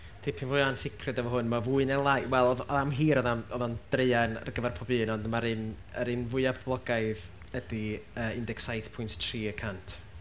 Dipyn fwy o ansicrwydd efo hwn. Ma' fwy neu lai, wel oedd o... oedd am hir oedd o oedd o'n draean ar gyfer pob un, ond ma'r un... yr un fwya poblogaidd ydy yy un deg saith pwynt tri y cant.